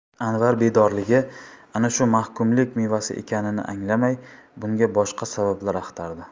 anvar bedorligi ana shu mahkumlik mevasi ekanini anglamay bunga boshqa sabablar axtardi